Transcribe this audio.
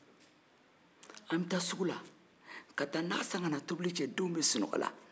an bɛ taa sugu la ka taa na san ka na tobili kɛ ka denw to sunɔgɔ